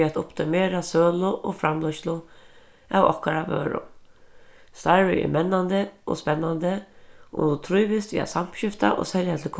fyri at optimera sølu og framleiðslu av okkara vørum starvið er mennandi og spennandi og tú trívist við at samskifta og selja til